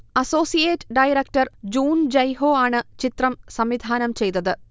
associate director Jun Jaiho ആണ് ചിത്രം സംവിധാനം ചെയ്തത്